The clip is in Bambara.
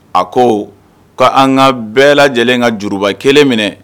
A ko ka an ka bɛɛ lajɛlen ka juruba kelen minɛ